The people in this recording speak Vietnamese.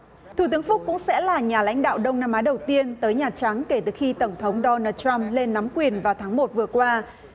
thủ tướng phúc cũng sẽ là nhà lãnh đạo đông nam á đầu tiên tới nhà trắng kể từ khi tổng thống đô nơ trăm lên nắm quyền vào tháng một vừa qua